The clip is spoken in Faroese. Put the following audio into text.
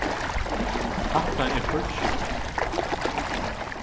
hatta er for sjúkt